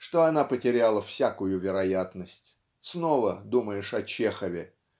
что она потеряла всякую вероятность. Снова думаешь о Чехове